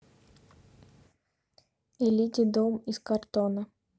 элиди дом из картона